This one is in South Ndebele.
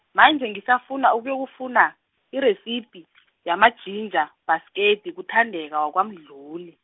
manje ngisafuna ukuyokufuna, iresiphi, yamajinja, bhasketi, kuThandeka waKwaMdluli.